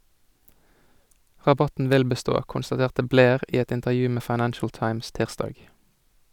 Rabatten vil bestå, konstaterte Blair i et intervju med Financial Times tirsdag.